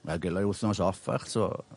wel gelai wthnos off fach so